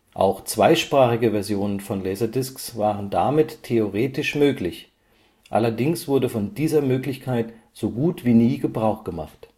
Auch zweisprachige Versionen von Laserdiscs waren damit theoretisch möglich, allerdings wurde von dieser Möglichkeit so gut wie nie Gebrauch gemacht